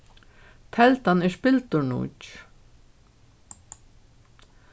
teldan er spildurnýggj